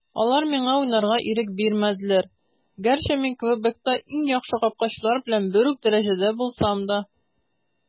Алар миңа уйнарга ирек бирмәделәр, гәрчә мин Квебекта иң яхшы капкачылар белән бер үк дәрәҗәдә булсам да.